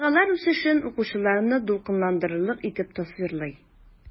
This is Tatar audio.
Вакыйгалар үсешен укучыларны дулкынландырырлык итеп тасвирлый.